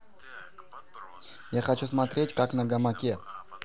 я хочу смотреть как на гамаке